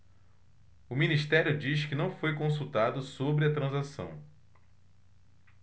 o ministério diz que não foi consultado sobre a transação